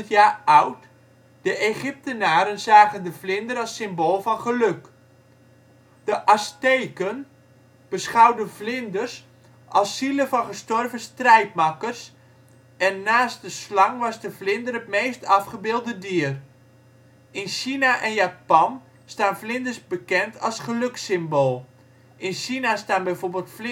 jaar oud, de Egyptenaren zagen de vlinder als symbool van geluk. De Azteken beschouwden vlinders als zielen van gestorven strijdmakkers en naast de slang was de vlinder het meest afgebeelde dier. In China en Japan staan vlinders bekend als gelukssymbool, in China staan bijvoorbeeld